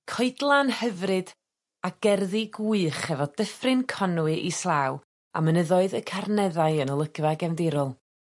coedlan hyfryd, a gerddi gwych efo Dyffryn Conwy islaw, a mynyddoedd y Carneddau yn olygfa gefndirol.